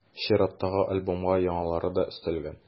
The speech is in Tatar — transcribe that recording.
Чираттагы альбомга яңалары да өстәлгән.